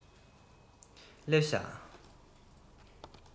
སླེབས བཞག